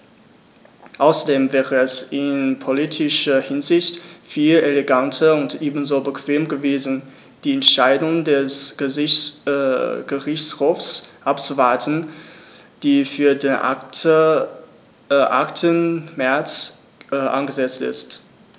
Außerdem wäre es in politischer Hinsicht viel eleganter und ebenso bequem gewesen, die Entscheidung des Gerichtshofs abzuwarten, die für den 8. März angesetzt ist.